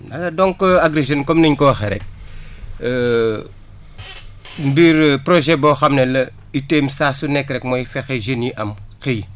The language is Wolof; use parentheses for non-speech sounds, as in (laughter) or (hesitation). (hesitation) donc Agri Jeunes comme ni ñu ko waxee rek (breath) (hesitation) (noise) mbir projet boo xam ne la itteem saa su nekk rek mooy fexe jeunes yi am xëy